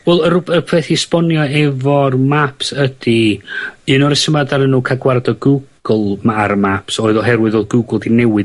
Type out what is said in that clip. Wel y rwb- y peth i esbonio hefo'r maps ydi un o'r resyma' daru nw ca'l gwared o Google 'ma ar y maps oedd oherwydd odd Google 'di newid